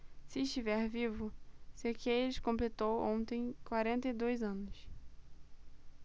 se estiver vivo sequeiros completou ontem quarenta e dois anos